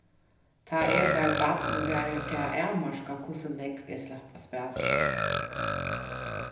tá eg var barn var tað avmarkað hvussu nógv eg slapp at spæla